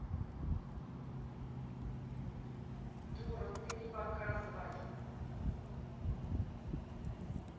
дура ты не показывай